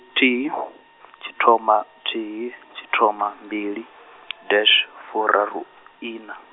thihi , tshithoma thihi, tshithoma mbili, dash furaru ina.